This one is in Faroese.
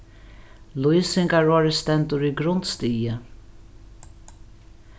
lýsingarorðið stendur í grundstigi